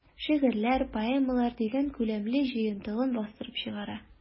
"шигырьләр, поэмалар” дигән күләмле җыентыгын бастырып чыгара.